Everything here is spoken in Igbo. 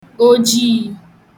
ojiī